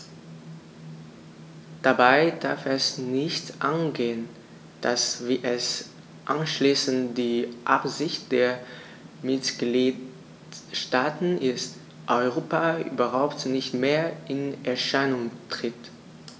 Dabei darf es nicht angehen, dass - wie es anscheinend die Absicht der Mitgliedsstaaten ist - Europa überhaupt nicht mehr in Erscheinung tritt.